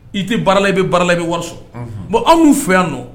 I tɛ barala i bɛ barala i bɛ wari sɔrɔ bon anw' fɛ yan nɔ